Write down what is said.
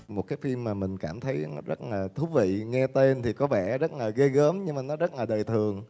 một cái phim mà mình cảm thấy nó rất là thú vị nghe tên thì có vẻ rất là ghê gớm nhưng nó rất là đời thường